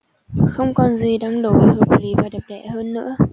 không còn gì đăng đối hợp lý và đẹp đẽ hơn nữa